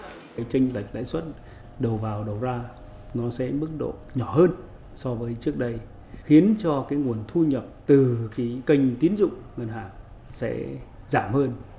cái chênh lệch lãi xuất đầu vào đầu ra nó sẽ mức độ nhỏ hơn so với trước đây khiến cho cái nguồn thu nhập từ kí kênh tín dụng ngân hàng sẽ giảm hơn